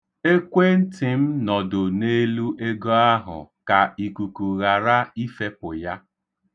Ekwentị m nọdo n'elu ego ahụ ka ikuku ghara ifepụ ya.